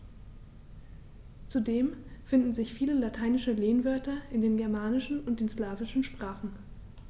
Zudem finden sich viele lateinische Lehnwörter in den germanischen und den slawischen Sprachen.